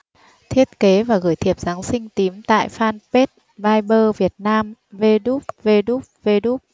thiết kế và gửi thiệp giáng sinh tím tại fanpage viber việt nam www